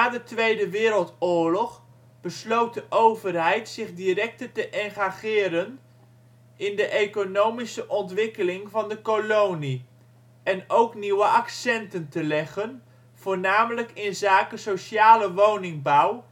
de Tweede Wereldoorlog besloot de overheid zich directer te engageren in de economische ontwikkeling van de kolonie, en ook nieuwe accenten te leggen, voornamelijk inzake sociale woningbouw